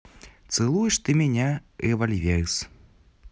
целуешь ты меня револьверс